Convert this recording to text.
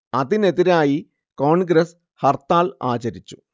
അതിനെതിരായി കോൺഗ്രസ് ഹർത്താൽ ആചരിച്ചു